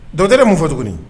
Dontɛ mun fɔ tuguni